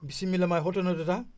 bisimilah